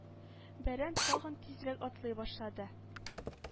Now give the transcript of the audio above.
Бәрән тагын тизрәк атлый башлады